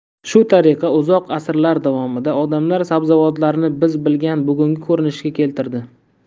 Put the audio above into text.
shu tariqa uzoq asrlar davomida odamlar sabzavotlarni biz bilgan bugungi ko'rinishga keltirdi